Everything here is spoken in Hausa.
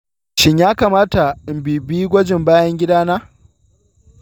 shin ya kamata in bibiyi gwajin bayan gida na?